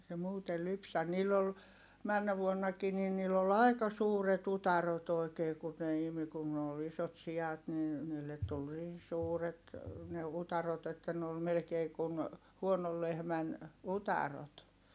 ei se muuten lypsä niillä oli menneenä vuonnakin niin niillä oli aika suuret utareet oikein kun ne imi kun ne oli isot siat niin niille tuli niin suuret ne utareet että ne oli melkein kuin huonon lehmän utareet